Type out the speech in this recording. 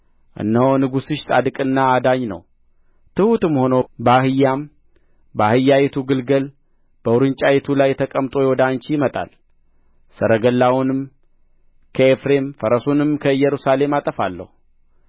እነሆ ንጉሥሽ ጻድቅና አዳኝ ነው ትሑትም ሆኖ በአህያም በአህያይቱ ግልገል በውርጫይቱ ላይ ተቀምጦ ወደ አንቺ ይመጣል ሰረገላውንም ከኤፍሬም ፈረሱንም ከኢየሩሳሌም አጠፋለሁ